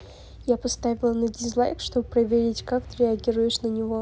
я поставила на дизлайк чтобы проверить как то ты реагируешь на на него